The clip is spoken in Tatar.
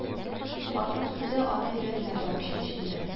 Картның сүзе аның йөрәгенә барып чәнчелде